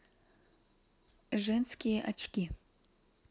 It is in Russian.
женские очки